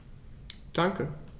Danke.